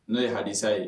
N'o ye hasa ye